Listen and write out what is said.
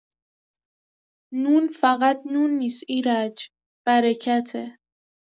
نون فقط نون نیست ایرج، برکته.